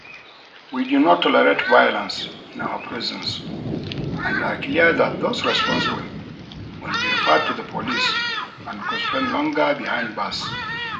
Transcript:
We do not tolerate violence in our prisons, and are clear that those responsible will be referred to the police and could spend longer behind bars."